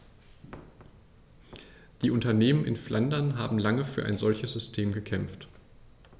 Die Unternehmen in Flandern haben lange für ein solches System gekämpft.